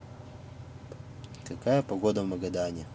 какая погода в магадане